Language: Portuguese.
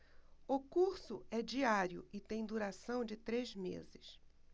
o curso é diário e tem duração de três meses